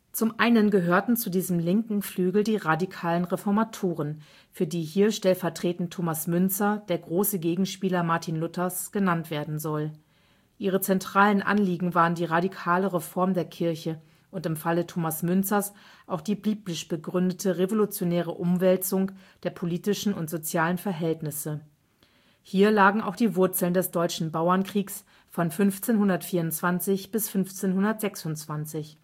Zum einen gehörten zu diesem linken Flügel die radikalen Reformatoren, für die hier stellvertretend Thomas Müntzer, der große Gegenspieler Martin Luthers, genannt werden soll. Ihre zentralen Anliegen waren die radikale Reform der Kirche und im Falle Thomas Müntzers auch die (biblisch begründete) revolutionäre Umwälzung der politischen und sozialen Verhältnisse. Hier lagen auch die Wurzeln des Deutschen Bauernkriegs 1524 – 1526